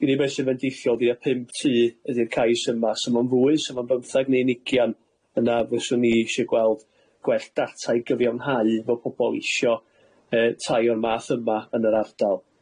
Unig beth sy'n fendithiol ydi y pump tŷ ydi'r cais yma. Sy fo'n fwy sy fo'n bymthag neu'n ugian, yna fyswn i isio gweld gwell data i gyfiawnhau fo' pobol isio yy tai o'r math yma yn yr ardal.